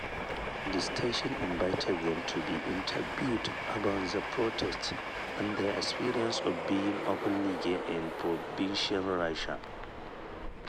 The station invited them to be interviewed about the protest and their experience of being openly gay in provincial Russia.